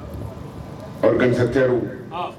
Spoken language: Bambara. Sɛteri